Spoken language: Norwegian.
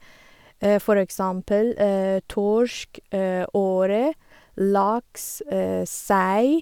For eksempel torsk, åre, laks, sei.